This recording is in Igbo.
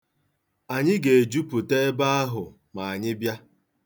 Anyị ga-ejupụta ebe ahụ ma anyị bịa.